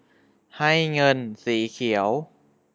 ให้เงินสีเขียว